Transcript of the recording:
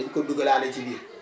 dañ ko dugalaale ci biir